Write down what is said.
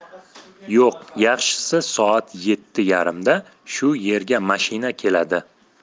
yo'q yaxshisi soat yetti yarimda shu yerga mashina keladi